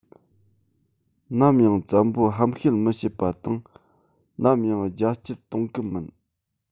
ནམ ཡང བཙན པོ ཧམ ཤེད མི བྱེད པ དང ནམ ཡང རྒྱ སྐྱེད གཏོང གི མིན